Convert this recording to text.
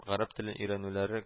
Гарәп телен өйрәнүләре